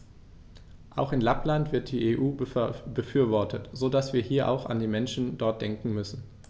Auch in Lappland wird die EU befürwortet, so dass wir hier auch an die Menschen dort denken müssen.